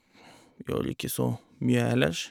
Gjør ikke så mye ellers.